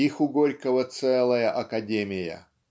Их у Горького целая академия.